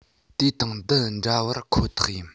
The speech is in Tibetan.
དེ དང འདི འདྲི བར ཁོ ཐག ཡིན